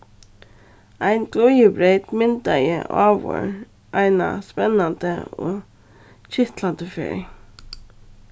ein glíðibreyt myndaði áður eina spennandi og kitlandi ferð